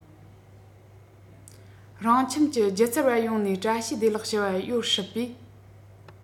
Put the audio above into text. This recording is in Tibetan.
རང ཁྱིམ གྱི སྒྱུ རྩལ པ ཡོང ནས བཀྲ ཤིས བདེ ལེགས ཞུ བ ཡོད སྲིད པས